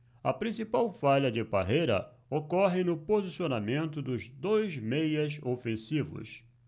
a principal falha de parreira ocorre no posicionamento dos dois meias ofensivos